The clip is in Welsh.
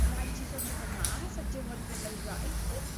...ma' raid ti sortio hwn mas ac dyw hwn ddim yn reit.